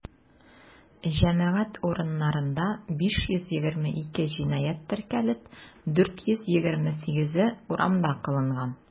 Җәмәгать урыннарында 522 җинаять теркәлеп, 428-е урамда кылынган.